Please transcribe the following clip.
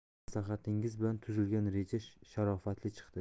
maslahatingiz bilan tuzilgan reja sharofatli chiqdi